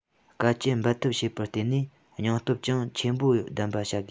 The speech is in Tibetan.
དཀའ སྤྱད འབད འཐབ བྱེད པར བརྟེན ནས སྙིང སྟོབས ཀྱང ཆེན པོ ལྡན པར བྱ དགོས